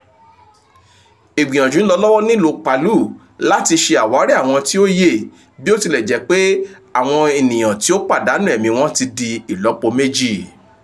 Ìgbiyànjú ń lọ lọ́wọ́lọ́wọ́ nílùú Palu láti ṣe àwárí àwọn tí ó yé bí ó tilẹ̀ jẹ́ pé àwọn ènìyàn tí ó pàdánù ẹ̀mí wọn ti di ìlọ́po méjì